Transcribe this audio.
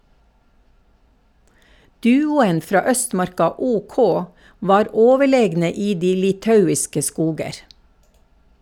Duoen fra Østmarka OK var overlegne i de litauiske skoger.